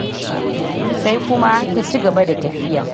Sai kuma ta cigaba da tafiya.